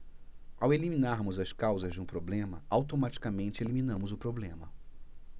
ao eliminarmos as causas de um problema automaticamente eliminamos o problema